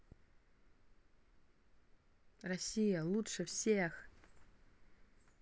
россия лучше всех